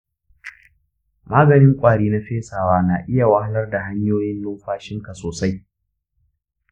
maganin ƙwari na fesawa na iya wahalar da hanyoyin numfashinka sosai.